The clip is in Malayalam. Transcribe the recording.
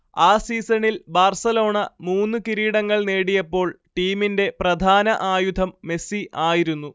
ആ സീസണിൽ ബാർസലോണ മൂന്ന് കിരീടങ്ങൾ നേടിയപ്പോൾ ടീമിന്റെ പ്രധാന ആയുധം മെസ്സി ആയിരുന്നു